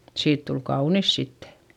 siitä tuli kaunis sitten